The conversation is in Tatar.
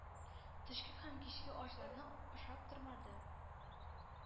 Төшке һәм кичке ашларны ашап тормады